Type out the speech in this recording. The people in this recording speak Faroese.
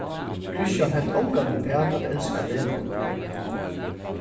kristian helt ongantíð uppat at elska lenu